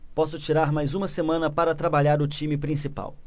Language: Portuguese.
posso tirar mais uma semana para trabalhar o time principal